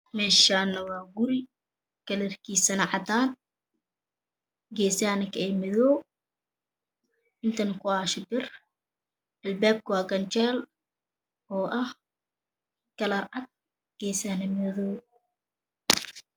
Meeshana waa guri kalarkiisana cadaan geesahana ka ah madoow intana ku aasho bir albaabka waa ganjeel oo ah kalar cad geesahana madow